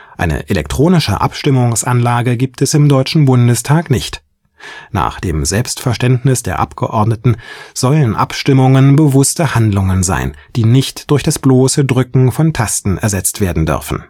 Eine elektronische Abstimmungsanlage gibt es im Deutschen Bundestag nicht. Nach dem Selbstverständnis der Abgeordneten sollen Abstimmungen bewusste Handlungen sein, die nicht durch das bloße Drücken von Tasten ersetzt werden dürfen